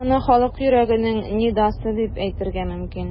Моны халык йөрәгенең нидасы дип әйтергә мөмкин.